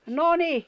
no niin